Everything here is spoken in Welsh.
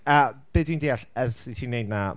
A be dwi'n deall, ers i ti wneud 'na...